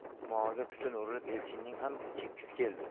dimog'iga tutun urilib elchinning ham chekkisi keldi